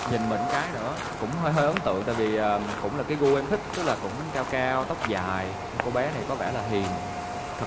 nhìn mình cái nữa cũng hơi hơi ấn tượng tại vì cũng là cái gu em thích tức là cũng cao cao tóc dài cô bé này có vẻ là hiền thực